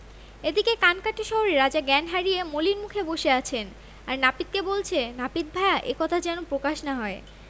এদিকে কানকাটা শহরে রাজা কান হারিয়ে মলিন মুখে বসে আছেন আর নাপিতকে বলছেন নাপিত ভায়া এ কথা যেন প্রকাশ না হয়